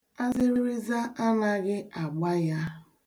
Azịrịza anaghị agba ya.